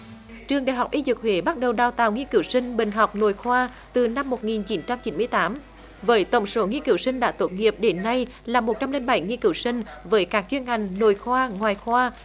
trường đại học y dược huế bắt đầu đào tạo nghiên cứu sinh bệnh học nội khoa từ năm một nghìn chín trăm chín mươi tám với tổng sở nghiên cứu sinh đã tốt nghiệp đến nay là một trăm linh bảy nghiên cứu sinh với các chuyên ngành nội khoa ngoại khoa